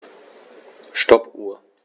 Stoppuhr.